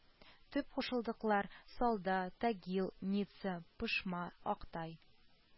Төп кушылдыклар: Салда, Тагил, Ница, Пышма, Актай